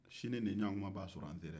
sini nin ɲatuma bɛ a sɔrɔ an sera yen